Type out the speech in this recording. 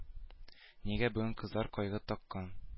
Нигә бүген кызлар кайгы таккан